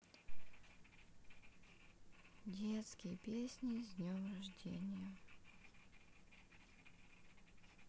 детские песни с днем рождения